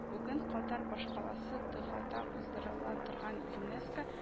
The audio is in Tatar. Бүген Катар башкаласы Дохада уздырыла торган ЮНЕСКО